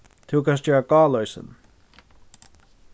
tú kanst gera gáloysin